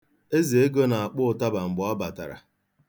Ezeego na-akpọ ụtaba mgbe ọ batara.